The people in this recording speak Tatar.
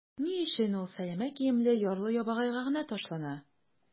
Ни өчен ул сәләмә киемле ярлы-ябагайга гына ташлана?